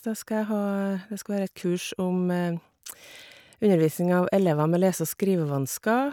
da skal jeg ha Det skal være et kurs om undervisning av elever med lese- og skrivevansker.